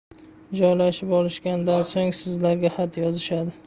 joylashib olishganidan so'ng sizlarga xat yozishadi